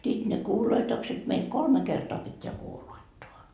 sitten ne kuuloitukset meillä kolme kertaa pitää kuuloittaa